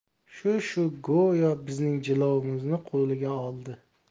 shu shu go'yo bizning jilovimizni qo'liga oldi